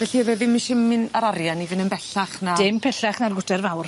Felly o'dd e ddim isie myn' yr arian i fyn' yn bellach na... Dim pellach na'r Gwter Fawr.